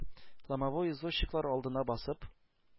Ломовой извозчиклар алдына басып: